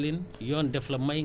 ñu fay la quatre vingt yi